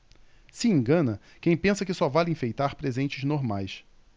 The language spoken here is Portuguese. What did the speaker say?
se engana quem pensa que só vale enfeitar presentes normais